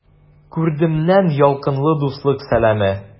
Күрдемнән ялкынлы дуслык сәламе!